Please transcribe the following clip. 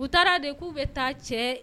U taara de k'u bɛ taa cɛ